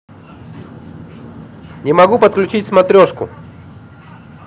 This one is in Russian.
не могу подключить смотрешку